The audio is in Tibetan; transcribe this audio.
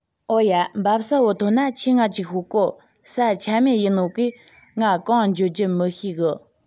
ཨོ ཡ འབབ ས བོ ཐོན ན ཁྱོས ང ཅིག ཤོད གོ ས ཆ མེད ཡིན ནོ གིས གང ང འགྱོ རྒྱུ ར མི ཤེས གི